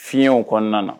Fiɲɛw kɔnɔna na